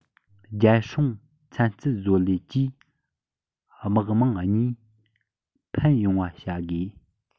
རྒྱལ སྲུང ཚན རྩལ བཟོ ལས ཀྱིས དམག དམངས གཉིས ཕན ཡོང བ བྱ དགོས